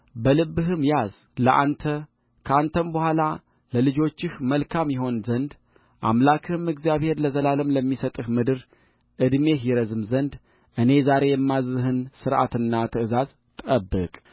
በልብህም ያዝለአንተ ከአንተም በኋላ ለልጆችህ መልካም ይሆን ዘንድ አምላክህም እግዚአብሔር ለዘላለም በሚሰጥህ ምድር ዕድሜህ ይረዝም ዘንድ እኔ ዛሬ የማዝዝህን ሥርዓቱንና ትእዛዙን ጠብቅ